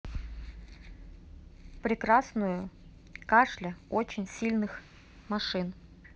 прекрасную кашля очень сильных машин